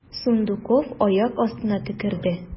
Сундуков аяк астына төкерде.